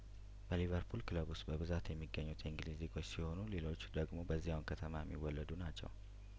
በሊቨርፑል ክለብ ውስጥ በብዛት የሚገኙት የእንግሊዝ ዜጐች ሲሆኑ ሌሎቹ ደግሞ በዚያው ከተማ የሚወለዱ ናቸው